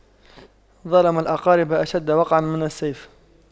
ظلم الأقارب أشد وقعا من السيف